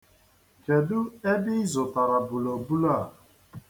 Kedu ebe I zụtara bùlòbulo a?